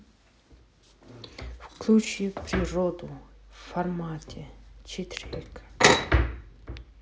включи природу в формате четыре к